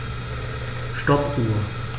Stoppuhr.